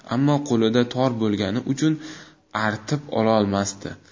ammo qo'lida tor bo'lgani uchun artib ololmasdi